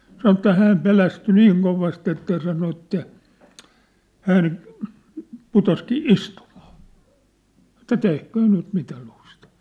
sanoi että hän pelästyi niin kovasti että ja sanoi että hän putosikin istumaan että tehköön nyt mitä lystää